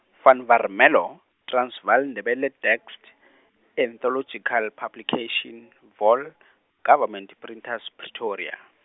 Van Warmelo, Transvaal Ndebele text , Ethnological Publication vol-, Government Printers Pretoria.